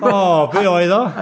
O, be oedd o?